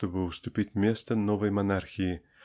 чтобы уступить место новой монархии